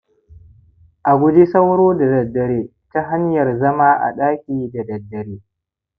a guji sauro da daddare ta hanyar zama a daki da daddare